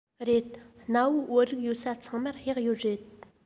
རེད གནའ བོའི བོད རིགས ཡོད ས ཚང མར གཡག ཡོད རེད